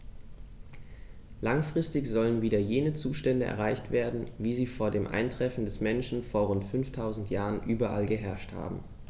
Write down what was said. Langfristig sollen wieder jene Zustände erreicht werden, wie sie vor dem Eintreffen des Menschen vor rund 5000 Jahren überall geherrscht haben.